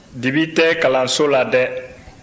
dibi tɛ kalanso la dɛ